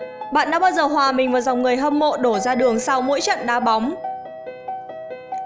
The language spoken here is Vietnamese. bạn đã bao giờ hoà mình vào dòng người hâm mộ đổ ra đường sau mỗi trận đá bóng